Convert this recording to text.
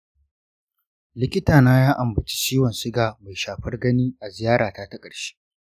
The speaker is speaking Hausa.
likitana ya ambaci ciwon suga mai shafar gani a ziyarata ta ƙarshe.